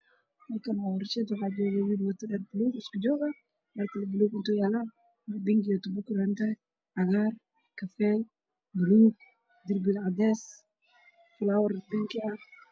Meeshan oo meel kushina waxaa jooga nin wata dhar buluga wuxuuna gacanta ku hayaa bir